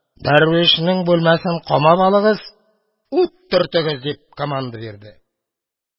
Дәрвишнең бүлмәсен камап алыгыз, ут төртегез! – дип команда бирде.